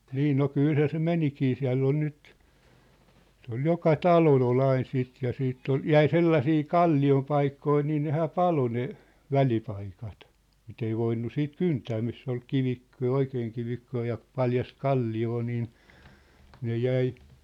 niin no kyllähän se menikin siellä on nyt se oli joka talolla oli aina sitten ja sitten oli jäi sellaisia kalliopaikkoja niin nehän paloi ne välipaikat mitä ei voinut sitten kyntää missä oli kivikko ja oikein kivikkoa ja paljasta kalliota niin ne jäi